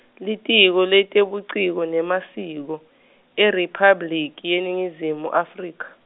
Litiko leTebuciko nemasiko, IRiphabliki, yeNingizimu, Afrika.